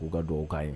K'o ka dugawu k'a ye.